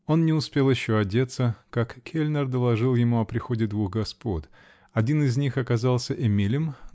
Он не успел еще одеться, как кельнер доложил ему о приходе двух господ. Один из них оказался Эмилем